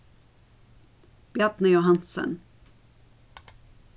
bjarni johansen